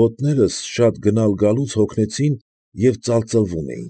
ոտներս շատ գնալ ու գալուց հոգնեցին և ծալծլվում էին։